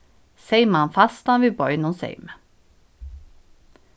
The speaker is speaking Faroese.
seyma hann fastan við beinum seymi